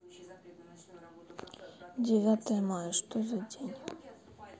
девятое мая что за день